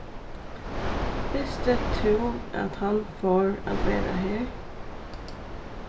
visti tú at hann fór at vera her